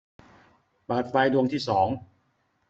เปิดไฟดวงที่สอง